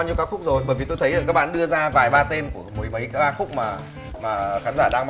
nhiêu ca khúc rồi bởi vì tôi thấy là các bạn đưa ra vài ba tên của mười mấy ca khúc mà mà khán giả đang